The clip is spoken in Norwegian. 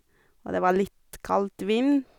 Og det var litt kaldt vind.